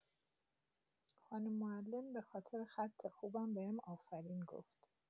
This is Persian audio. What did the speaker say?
خانم معلم به‌خاطر خط خوبم بهم آفرین گفت.